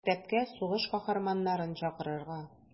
Мәктәпкә сугыш каһарманнарын чакырырга.